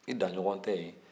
i daɲɔgɔn tɛ yen